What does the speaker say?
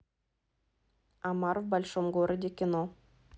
омар в большом городе кино